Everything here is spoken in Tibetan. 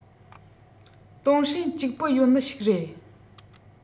ཏུང ཧྲན གཅིག པུ ཡོད ནི ཞིག རེད